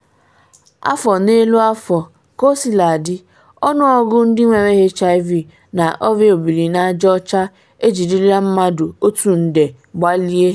Afọ n’elu afọ, kosiladị, ọnụọgụ ndị nwere HIV na Ọrịa obiri n’aja ọcha ejirila mmadụ 100,000 gbalie.